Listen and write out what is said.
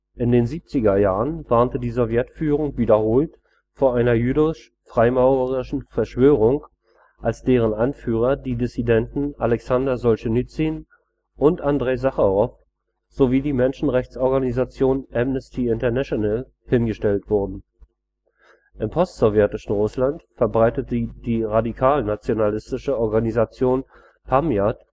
In den siebziger Jahren warnte die Sowjetführung wiederholt vor einer jüdisch-freimaurerischen Verschwörung, als deren Anführer die Dissidenten Alexander Solschenizyn und Andrej Sacharow sowie die Menschenrechtsorganisation Amnesty International hingestellt wurden. Im postsowjetischen Russland verbreitete die radikalnationalistische Organisation Pamjat